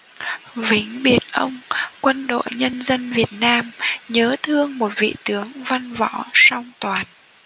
vĩnh biệt ông quân đội nhân dân việt nam nhớ thương một vị tướng văn võ song toàn